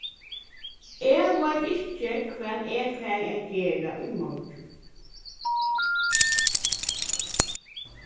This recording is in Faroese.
eg veit ikki hvat eg fari at gera í morgin